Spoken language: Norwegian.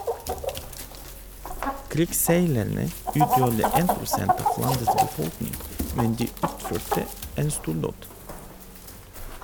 Krigsseilerne utgjorde 1 % av landets befolkning, men de utførte en stordåd.